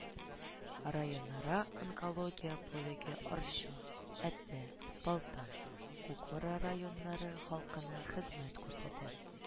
Районара онкология бүлеге Арча, Әтнә, Балтач, Кукмара районнары халкына хезмәт күрсәтә